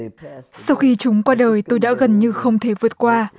sau khi chúng qua đời tôi đã gần như không thể vượt qua